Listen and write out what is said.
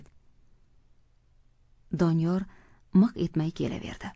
doniyor miq etmay kelaverdi